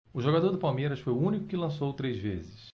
o jogador do palmeiras foi o único que lançou três vezes